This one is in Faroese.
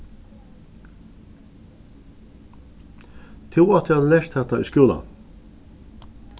tú átti at havt lært hatta í skúlanum